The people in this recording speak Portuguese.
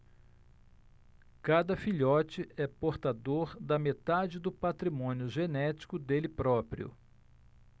cada filhote é portador da metade do patrimônio genético dele próprio